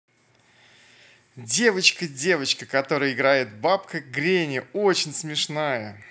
девочка девочка которая играет бабка гренни очень смешная